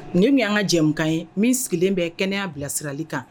Nin min y an ka jɛkan ye min sigilen bɛ kɛnɛya' bilasirali kan